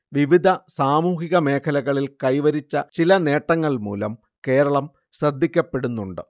വിവിധ സാമൂഹിക മേഖലകളിൽ കൈവരിച്ച ചില നേട്ടങ്ങൾ മൂലം കേരളം ശ്രദ്ധിക്കപ്പെടുന്നുണ്ട്